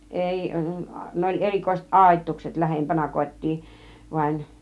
ei ne oli erikoiset aitaukset lähempänä kotia vain